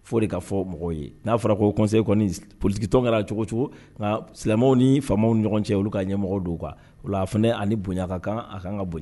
Fo de ka fɔ mɔgɔw ye n'a fɔra ko kɔnse kɔni polikitɔn kɛra cogo cogo nka silamɛw ni faamaw ni ɲɔgɔn cɛ olu k'a ɲɛ mɔgɔw don kan wala fana ani bonya ka kan a ka kan ka boli